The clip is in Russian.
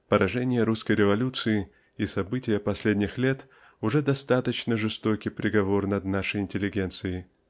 Поражение русской революции и события последних лет -- уже достаточно жестокий приговор над нашей интеллигенцией.